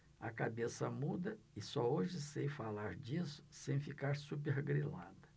a cabeça muda e só hoje sei falar disso sem ficar supergrilada